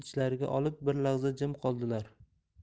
ichlariga olib bir lahza jim qoldilar